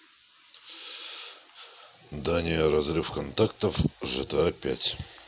дания разрыв контактов в gta пять